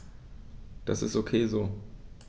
Das ist ok so.